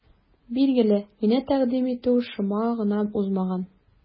Билгеле, мине тәкъдим итү шома гына узмаган.